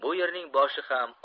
bu yerning boshi ham